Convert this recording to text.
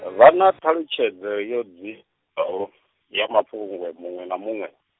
vha na ṱhalutshedzo yo dzi- ya mafhungo muṅwe na muṅwe?